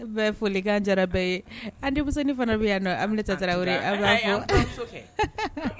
folikan jara bɛɛ ye , an denmusoni fana bɛ yan Aminata Tarawere, an b'a fo, a fɔ an buramuso kɛ.